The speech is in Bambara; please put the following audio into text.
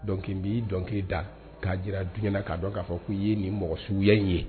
Dɔnkili b'i dɔnkili da k'a jira dun k'a k'a fɔ k' ye nin mɔgɔ suguya in ye